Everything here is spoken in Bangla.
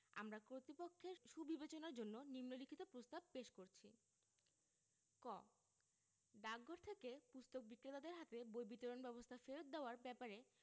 আমরা কর্তৃপক্ষের সুবিবেচনার জন্য নিন্ম লিখিত প্রস্তাব পেশ করছি ক ডাকঘর থেকে পুস্তক বিক্রেতাদের হাতে বই বিতরণ ব্যবস্থা ফেরত দেওয়ার ব্যাপারে